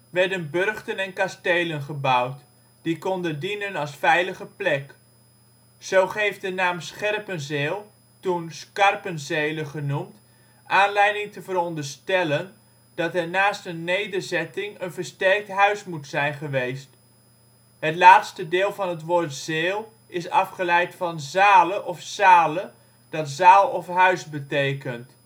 werden burchten en kastelen gebouwd, die konden dienen als veilige plek. Zo geeft de naam Scherpenzeel, toen ‘Scarpenzele’ genoemd, aanleiding te veronderstellen, dat er naast een nederzetting een versterkt huis moet zijn geweest. Het laatste deel van het woord “zeel” is afgeleid van “zale” of “sale”, dat zaal of huis betekent